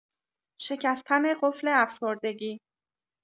شکستن قفل افسردگی